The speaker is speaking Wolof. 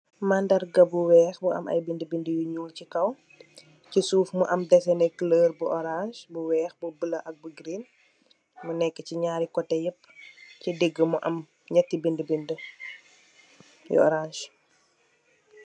Mandarga bu weex bu am i bindi bindi ci kaw, ci suuf mu am desin kelur bu orans, bu weex ak bu girine mu nekka ci naari koteh yep, ci diggi bi nyiti binda binda yu orans.